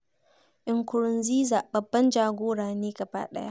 Nkurunziza, 'babban jagora na gabaɗaya'